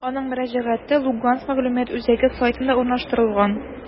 Аның мөрәҗәгате «Луганск мәгълүмат үзәге» сайтында урнаштырылган.